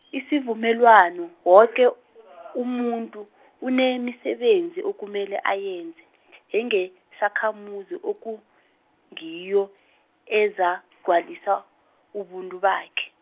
isivumelwano, woke umuntu, unemisebenzi okumele ayenze, njengesakhamuzi okungiyo, ezagcwalisa, ubuntu bakhe.